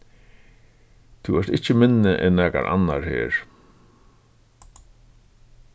tú ert ikki minni enn nakar annar her